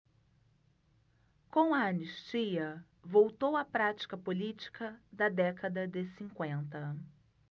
com a anistia voltou a prática política da década de cinquenta